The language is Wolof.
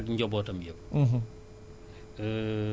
wax dëgg Yàlla ma remercier bu baax a baax directeur